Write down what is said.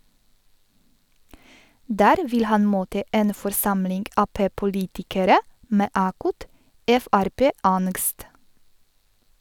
Der vil han møte en forsamling Ap-politikere med akutt Frp-angst.